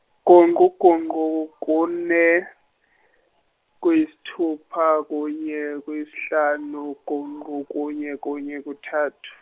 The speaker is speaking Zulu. gungqu gungqu kune, kuyisithupha kunye kuyisihlanu gungqu kunye kunye kuthathu.